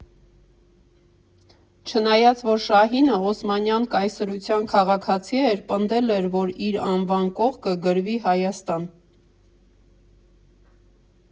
«Չնայած որ Շահինը Օսմանյան կայսրության քաղաքացի էր, պնդել էր, որ իր անվան կողքը գրվի «Հայաստան»։